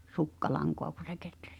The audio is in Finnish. sukkalankaa kun se kehräsi